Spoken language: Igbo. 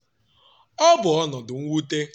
Ọ bụ ọnọdụ mwute.”